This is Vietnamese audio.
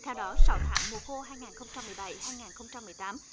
theo đó sáu tháng mùa khô hai nghìn không trăm mười bảy hai nghìn không trăm mười tám